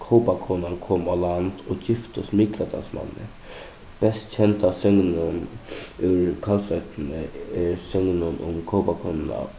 kópakonan kom á land og giftist mikladalsmanni best kenda søgnin úr kalsoynni er søgnin um kópakonuna